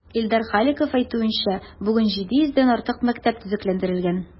Илдар Халиков әйтүенчә, бүген 700 дән артык мәктәп төзекләндерелгән.